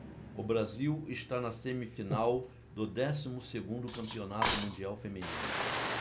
o brasil está na semifinal do décimo segundo campeonato mundial feminino